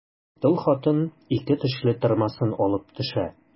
Тол хатын ике тешле тырмасын алып төшә.